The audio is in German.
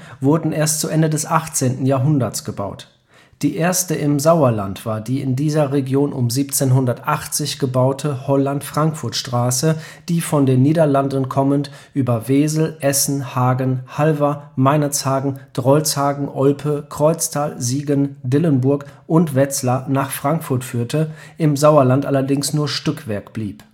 wurden erst zu Ende des 18. Jahrhunderts gebaut. Die erste im Sauerland war die in dieser Region um 1780 gebaute Holland-Frankfurt-Straße, die von den Niederlanden kommend über Wesel, Essen, Hagen, Halver, Meinerzhagen, Drolshagen, Olpe, Kreuztal, Siegen, Dillenburg und Wetzlar nach Frankfurt führte, im Sauerland allerdings nur Stückwerk blieb